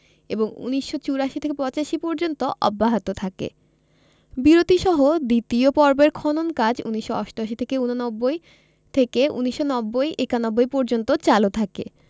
এবং ১৯৮৪ ৮৫ পর্যন্ত অব্যাহত থাকে বিরতিসহ দ্বিতীয় পর্বের খনন কাজ ১৯৮৮ ৮৯ থেকে ১৯৯০ ৯১ পর্যন্ত চালু থাকে